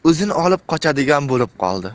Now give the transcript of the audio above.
o'zini olib qochadigan bo'lib qoldi